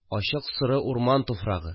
Ачык соры урман туфрагы